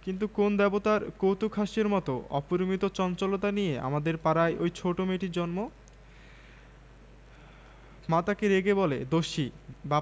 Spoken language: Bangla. মসজিদটা বানিয়েছিলেন মির্জা গোলাম পীর তাই অনেক কাল ধরে একে মির্জা গোলাম পীরের মসজিদ বলেই চিনতো সবাই তখন মসজিদটা অন্যরকম ছিল এত জ্বলজ্বলে ছিল না